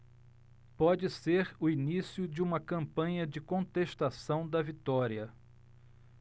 pode ser o início de uma campanha de contestação da vitória